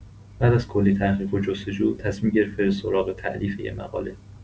بعد از کلی تحقیق و جستجو، تصمیم گرفت بره سراغ تألیف یه مقاله.